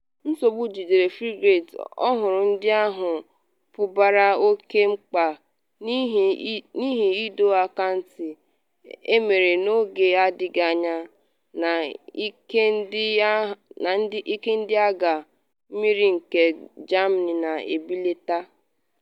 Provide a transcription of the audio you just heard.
Nsogbu jidere frigate ọhụrụ ndị ahụ pụbara oke mkpa n’ihi ịdọ aka ntị emere n’oge adịghị anya na ike Ndị Agha Mmiri nke Germany na-ebeleta.